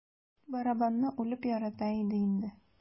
Барабанны үлеп ярата иде инде.